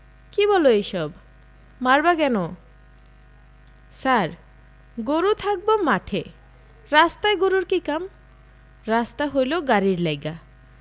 কী বলো এইসব মারবা কেন ছার গরু থাকবো মাঠে রাস্তায় গরুর কি কাম রাস্তা হইলো গাড়ির লাইগা